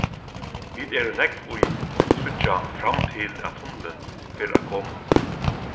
vit eru nógv ið síggja fram til at tunnilin fer at koma